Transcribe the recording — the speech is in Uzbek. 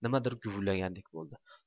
nimadir guvillagandek bo'ldi